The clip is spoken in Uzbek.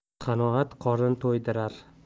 qanoat qorin to'ydirar